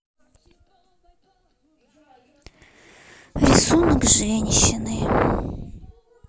рисунок женщины